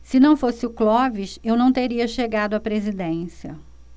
se não fosse o clóvis eu não teria chegado à presidência